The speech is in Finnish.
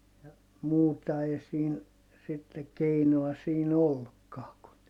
ja muuta ei siinä sitten keinoa siinä ollutkaan kuin